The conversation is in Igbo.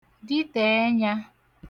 dite ẹnyā